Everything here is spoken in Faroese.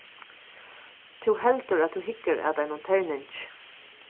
tú heldur at tú hyggur at einum terningi